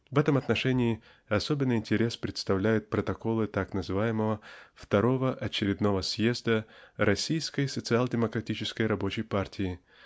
В этом отношении особенный интерес представляют протоколы так называемого Второго очередного съезда "Российской социал демократической рабочей партии"